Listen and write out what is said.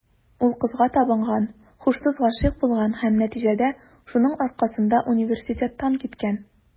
Ул кызга табынган, һушсыз гашыйк булган һәм, нәтиҗәдә, шуның аркасында университеттан киткән.